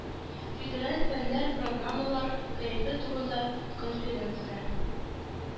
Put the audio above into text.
Федераль фэннэр программалар кәефе турында конференция.